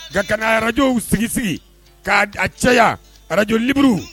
Nka na radio sigi sigi ka a caya radio libre k'a a caya